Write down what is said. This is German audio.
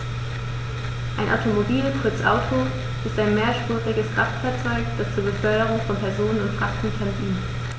Ein Automobil, kurz Auto, ist ein mehrspuriges Kraftfahrzeug, das zur Beförderung von Personen und Frachtgütern dient.